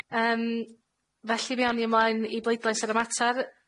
Yym, felly fe awn ni ymlaen i bleidlais ar y mater.